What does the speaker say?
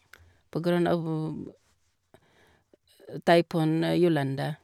På grunn av taifun julen der.